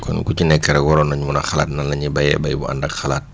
kon ku ci nekk rek waroon nañ mun a xalaat nan la ñuy bayee bay bu ànd ak xalaat